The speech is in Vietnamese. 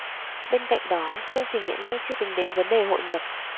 bên cạnh đó chương trình hiện nay chưa tính đến vấn đề hội nhập